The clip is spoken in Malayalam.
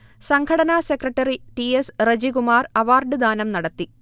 സംഘടനാ സെക്രട്ടറി ടി. എസ്. റജികുമാർ അവാർഡ്ദാനം നടത്തി